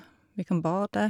Vi kan bade.